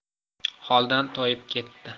holdan toyib ketdi